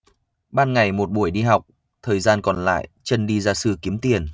ban ngày một buổi đi học thời gian còn lại trân đi gia sư kiếm tiền